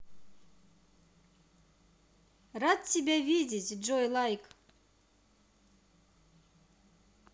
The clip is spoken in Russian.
рад тебя видеть джой лайк